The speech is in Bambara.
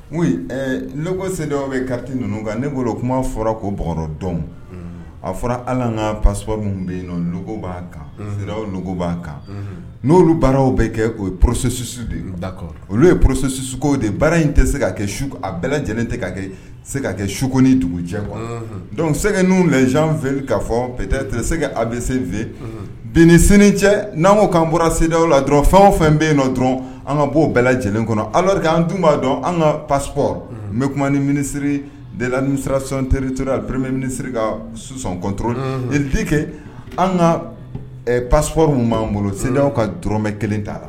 senw bɛ kati ninnu kan ne' kuma fɔra ko bodɔn a fɔra hali an ka pasp bɛ yen nɔn b'a kanugu b'a kan n'olu baaraw bɛ kɛ o ye pssu de da kɔrɔ olu ye pssuko de baara in tɛ se ka kɛ a bɛɛ lajɛlen tɛ ka se ka kɛ suk dugu cɛ kuwa dɔnkuc sɛgɛ fɛ ka fɔ presɛgɛ a bɛ sen fɛ bi sini cɛ n'anmu'an bɔra senw la dɔrɔn fɛn o fɛn bɛ yen nɔ dɔrɔn an ka bɔo bɛɛ lajɛlen kɔnɔ ala an tun b'a dɔn an ka pasp n bɛ kuma minisiriri de la ni serasontriur purme minisiri ka suɔnt i tɛ kɛ an ka pasp minnu b'an bolo senw ka tɔrɔmɛ kelen ta la